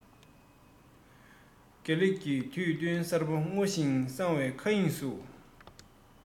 དགེ ལེགས ཀྱི དུས སྟོན གསར པ སྔོ ཞིང བསངས པའི མཁའ དབྱིངས སུ